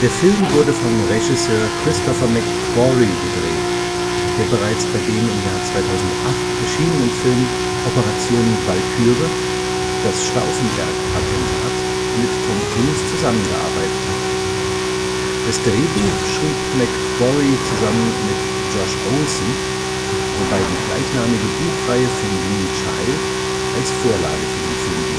Film wurde von Regisseur Christopher McQuarrie gedreht, der bereits bei dem im Jahr 2008 erschienenen Film Operation Walküre – Das Stauffenberg-Attentat mit Tom Cruise zusammengearbeitet hat. Das Drehbuch schrieb McQuarrie gemeinsam mit Josh Olson, wobei die gleichnamige Buchreihe von Lee Child als Vorlage für den Film